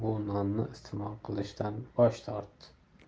bu nonni iste'mol qilishdan bosh tortdi